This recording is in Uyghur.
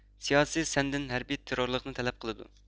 سىياسىي سەندىن ھەربىي تېررورلۇقنى تەلەپ قىلىدۇ